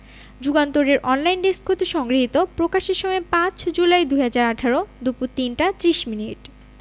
যুগান্তর এর online desk হতে সংগৃহীত প্রকাশের সময় ৫ জুলাই ২০১৮ দুপুর ৩টা ৩০ মিনিট